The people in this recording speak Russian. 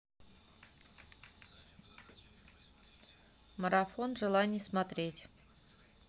марафон желаний смотреть